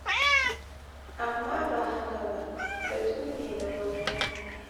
Amma ba haka ba, batu ne na gwamnati.